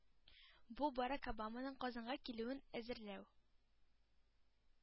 Бу – Барак Обаманың Казанга килүен әзерләү